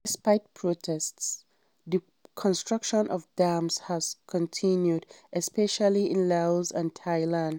Despite protests, the construction of dams has continued, especially in Laos and Thailand.